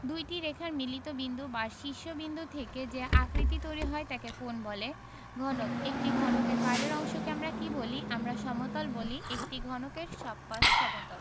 দুইটি রেখার মিলিত বিন্দু বা শীর্ষ বিন্দু থেকে যে আকৃতি তৈরি হয় তাকে কোণ বলে ঘনকঃ একটি ঘনকের বাইরের অংশকে আমরা কী বলি আমরা সমতল বলি একটি ঘনকের সব পাশ সমতল